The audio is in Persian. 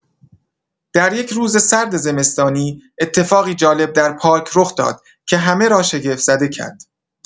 در یک روز سرد زمستانی، اتفاقی جالب در پارک رخ داد که همه را شگفت‌زده کرد.